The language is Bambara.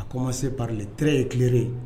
A ko ma se parlere ye tilere ye